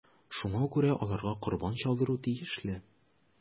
Шуңа күрә аларга корбан чалдыру тиешле.